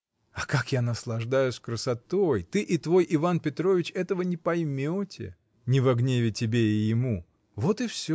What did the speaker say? А как я наслаждаюсь красотой, ты и твой Иван Петрович этого не поймете, не во гнев тебе и ему, — вот и всё.